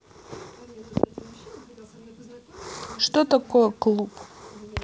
что такое клуб